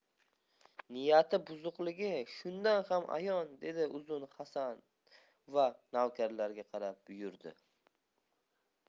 niyati buzuqligi shundan ham ayon dedi uzun hasan va navkarlarga qarab buyurdi